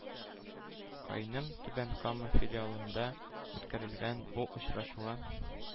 Каиның түбән кама филиалында үткәрелгән бу очрашуга